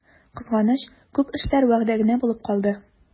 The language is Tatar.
Кызганыч, күп эшләр вәгъдә генә булып калды.